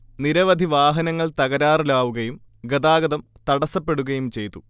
നിരവധി വാഹനങ്ങൾ തകരാറിലാവുകയും ഗതാഗതം തടസപ്പെടുകയും ചെയ്തു